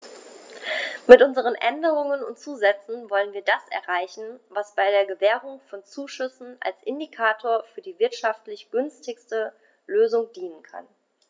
Mit unseren Änderungen und Zusätzen wollen wir das erreichen, was bei der Gewährung von Zuschüssen als Indikator für die wirtschaftlich günstigste Lösung dienen kann.